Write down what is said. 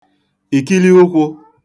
ìkili ụkwụ̄